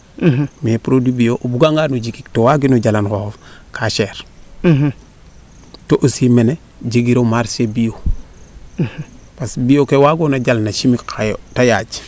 mais produit bio o buga ngano jikik to waagino jalan xooxof kaa chere to aussi mene jegiro marcher bio parce que bio kee wagoona jal no chimie xaye te yaaj